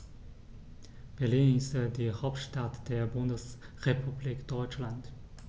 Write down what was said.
Berlin ist die Hauptstadt der Bundesrepublik Deutschland.